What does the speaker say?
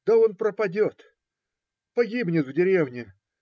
Да он пропадет, погибнет в деревне.